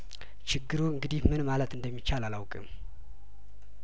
ችግሩ እንግዲህምን ማለት እንደሚቻል አላውቅም